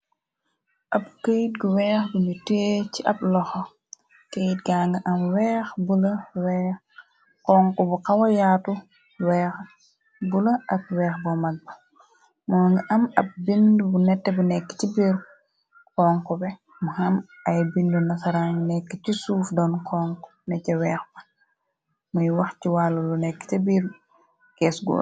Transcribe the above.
Ab keyt gu weex binu tee ci ab loxo kayt ga nga am weex buakonk bu xawayaatu bu la ak weex bo mag ba moo nga am ab bind bu nette bi nekk ci biir konku be mu xam ay bindu nasaraan nekk ci suuf doon konk neca weex ba muy wax ci wàll lu nekk te biir kees gur.